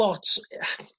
lot